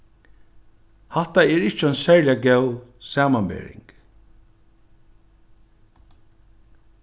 hatta er ikki ein serliga góð samanbering